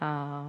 Aa.